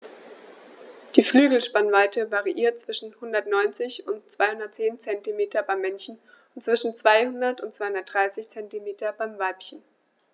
Die Flügelspannweite variiert zwischen 190 und 210 cm beim Männchen und zwischen 200 und 230 cm beim Weibchen.